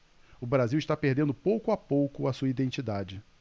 o brasil está perdendo pouco a pouco a sua identidade